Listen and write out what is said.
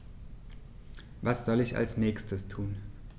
Was soll ich als Nächstes tun?